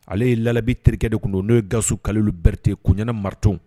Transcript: Ale ye Lalabi terikɛ de tun don n'o Gawusu Kalilku Berete Kuɲɛna marteau